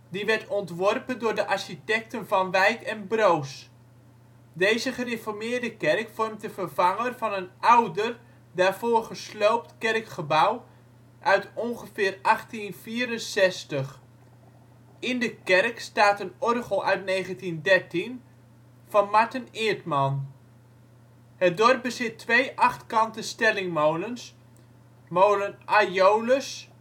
die werd ontworpen door de architecten Van Wijk en Broos. Deze gereformeerde kerk vormt de vervanger van een ouder daarvoor gesloopt kerkgebouw uit ongeveer 1864. In de kerk staat een orgel uit 1913 van Marten Eertman. Het dorp bezit twee achtkante stellingmolens: molen Aeolus